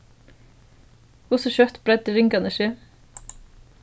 hvussu skjótt breiddu ringarnir seg